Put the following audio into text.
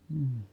mm